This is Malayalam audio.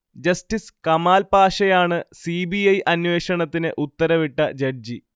ജസ്റ്റിസ് കമാൽ പാഷയാണ് സിബിഐ അന്വേഷണത്തിന് ഉത്തരവിട്ട ജഡ്ജി